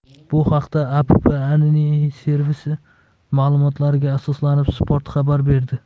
bu haqda app annie servisi ma'lumotlariga asoslanib spot xabar berdi